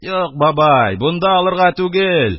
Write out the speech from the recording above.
Юк, бабай, бунда алырга түгел,